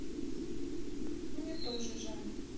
мне тоже жаль